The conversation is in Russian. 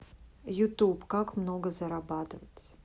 ютуб как много зарабатывать